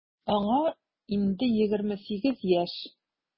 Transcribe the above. Аңа инде 28 яшь.